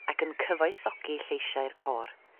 ac yn cyfoethogi lleisiau'r côr.